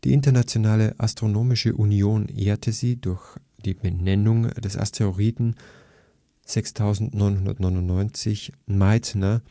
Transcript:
Internationale Astronomische Union ehrte sie durch die Benennung des Asteroiden (6999) Meitner